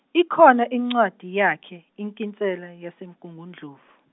ikhona incwadi yakhe inkinsela yaseMgungundlovu.